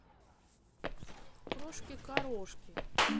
крошки корошки